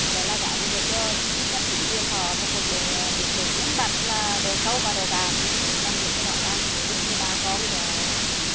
vậy là cả nên để cho chứ cách chính quyền họ vào cuộc để biết được minh bạch là độ sâu và độ cạn để làm việc cho rõ ràng để giúp cho bà con của